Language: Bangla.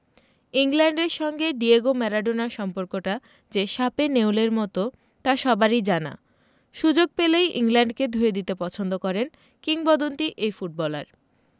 ইংল্যান্ডের সঙ্গে ডিয়েগো ম্যারাডোনার সম্পর্কটা যে শাপে নেউলের মতো তা সবারই জানা সুযোগ পেলেই ইংল্যান্ডকে ধুয়ে দিতে পছন্দ করেন কিংবদন্তি এ ফুটবলার